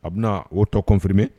A o tɔ kɔnfime